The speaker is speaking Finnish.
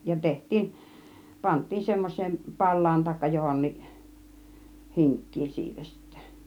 ja tehtiin pantiin semmoiseen palaan tai johonkin hinkkiin siitä sitten